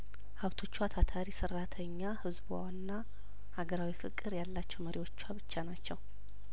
ሀብቶቿ ታታሪ ሰራተኛ ህዝብዋና ሀገራዊ ፍቅር ያላቸው መሪዎቿ ብቻ ናቸው